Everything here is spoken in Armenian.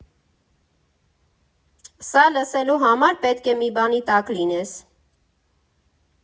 Սա լսելու համար պետք է մի բանի տակ լինես։